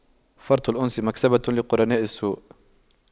فرط الأنس مكسبة لقرناء السوء